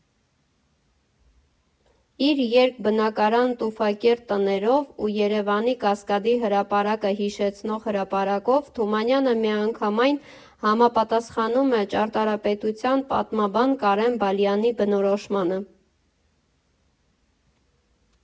Իր երկբնակարան տուֆակերտ տներով ու Երևանի Կասկադի հրապարակը հիշեցնող հրապարակով Թումանյանը միանգամայն համապատասխանում է ճարտարապետության պատմաբան Կարեն Բալյանի բնորոշմանը.